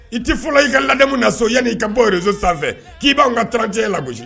I tɛ fɔlɔ i ka lamu na so yanni i ka bɔreso sanfɛ k'i b'an ka taaranjɛ la gosi